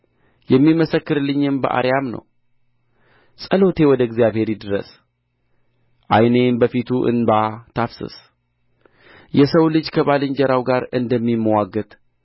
የሚመሰክርልኝም በአርያም ነው ጸሎቴ ወደ እግዚአብሔር ይድረስ ዓይኔም በፊቱ እንባ ታፍስስ የሰው ልጅ ከባልንጀራው ጋር እንደሚምዋገት